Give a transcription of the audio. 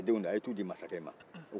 masakɛ denw de don ye taa o di masakɛ ma